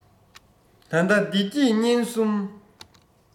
ད ལྟ བདེ སྐྱིད གཉེན གསུམ